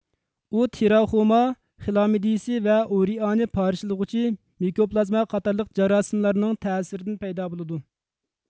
ئۇ تراخوما خىلامديىسى ۋە ئۇرېئانى پارچىلىغۇچى مىكوپلازما قاتارلىق جاراسىملارنىڭ تەسىرىدىن پەيدا بولىدۇ